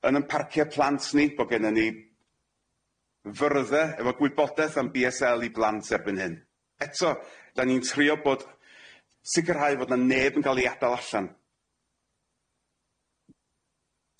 yn 'yn parcie plant ni bo gennyn ni fyrdde efo gwybodaeth am Bee Ess El i blant erbyn hyn eto 'dan ni'n trio bod sicirhau fod 'na neb yn ga'l i adal allan.